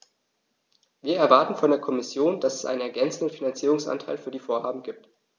Wir erwarten von der Kommission, dass es einen ergänzenden Finanzierungsanteil für die Vorhaben gibt.